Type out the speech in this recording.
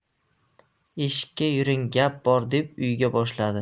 eshikka yuring gap bor deb uyga boshladi